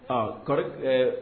Aa kari